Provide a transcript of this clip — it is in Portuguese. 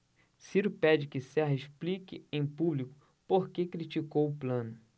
ciro pede que serra explique em público por que criticou plano